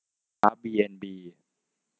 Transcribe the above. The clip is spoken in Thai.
กราฟบีเอ็นบี